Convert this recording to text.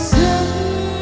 giấc